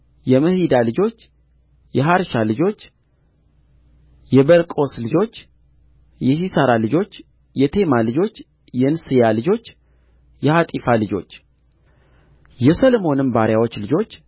የምሒዳ ልጆች የሐርሻ ልጆች የበርቆስ ልጆች የሲሣራ ልጆች የቴማ ልጆች የንስያ ልጆች የሐጢፋ ልጆች የሰሎሞን ባሪያዎች ልጆች